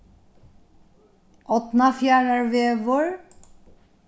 árnfjarðarvegur